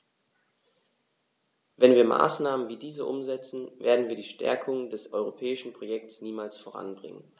Wenn wir Maßnahmen wie diese umsetzen, werden wir die Stärkung des europäischen Projekts niemals voranbringen.